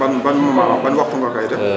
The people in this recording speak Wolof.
ban ban moment ban waxtu nga koy def